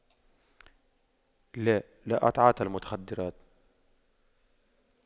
لا لا أتعاطى المتخدرات